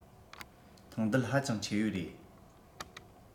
ཐང རྡུལ ཧ ཅང ཆེ བའི རེད